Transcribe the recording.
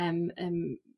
Yym yym.